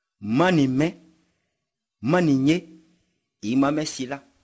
n ma nin mɛn n ma nin ye i ma mɛn si la